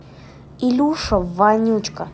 илюша вонючка